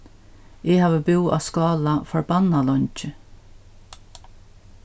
eg havi búð á skála forbannað leingi